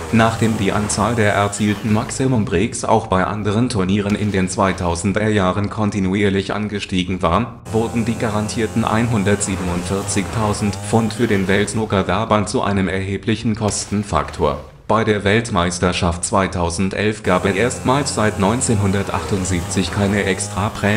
Nachdem die Anzahl der erzielten Maximum Breaks auch bei anderen Turnieren in den 2000er Jahren kontinuierlich angestiegen war, wurden die garantierten 147.000 £ für den Weltsnookerverband zu einem erheblichen Kostenfaktor; bei der Weltmeisterschaft 2011 gab es erstmals seit 1978 keine Extraprämie